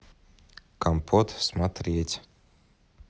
компот смотреть